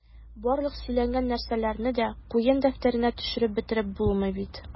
Барлык сөйләнгән нәрсәләрне дә куен дәфтәренә төшереп бетереп булмый бит...